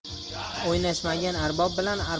o'ynashmagin arbob bilan arbob